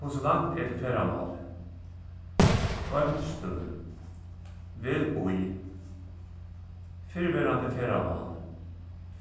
hvussu langt er til ferðamálið goymd støð vel bý fyrrverandi ferðamál